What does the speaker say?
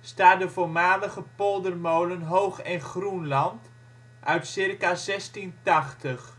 staat de voormalige poldermolen Hoog - en Groenland uit circa 1680